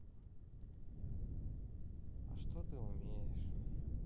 а что ты умеешь